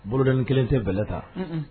Bolodain kelen tɛ bɛlɛ ta